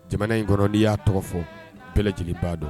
Jamana inɔrɔn n'i y'a tɔgɔ fɔ plɛj' don